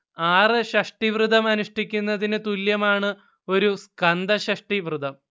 ആറ് ഷഷ്ടിവ്രതം അനുഷ്ഠിക്കുന്നതിനു തുല്യമാണ് ഒരു സ്കന്ദഷഷ്ഠി വ്രതം